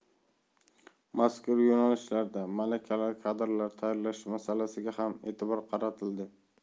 mazkur yo'nalishlarda malakali kadrlar tayyorlash masalasiga ham e'tibor qaratildi